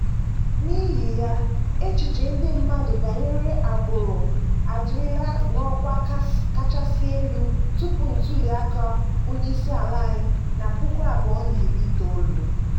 N'ihi ya, echiche ndị mmadụ banyere agbụrụ adịlarị n'ọkwa kachasị elu tupu ntụliaka onyeisiala na 2019.